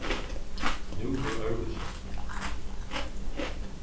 nú er øðrvísi